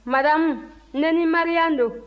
madame ne ni maria don